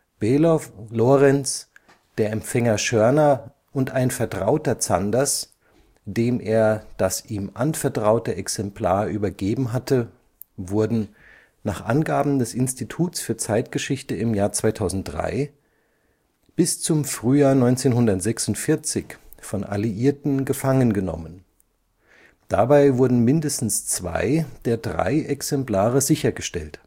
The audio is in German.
Below, Lorenz, der Empfänger Schörner und ein Vertrauter Zanders, dem er das ihm anvertraute Exemplar übergeben hatte, wurden – nach Angaben des Instituts für Zeitgeschichte im Jahr 2003 – bis zum Frühjahr 1946 von Alliierten gefangen genommen; dabei wurden mindestens zwei der drei Exemplare sichergestellt